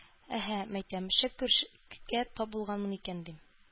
Әһә, мәйтәм, шәп күршегә тап булганмын икән, дим.